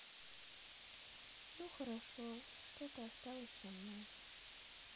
ну хорошо что то осталось со мной